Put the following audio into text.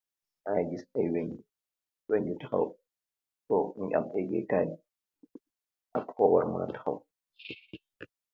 Mangi giss wen wu taxaw. Wen bi mungi amm yeege kai ak fo wara muna taxaw.